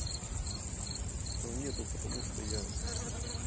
там нету потому что я